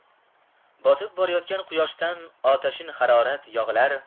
botib borayotgan quyoshdan otashin harorat yog'ilar